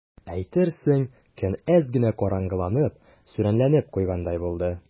Әйтерсең, көн әз генә караңгыланып, сүрәнләнеп куйгандай булды.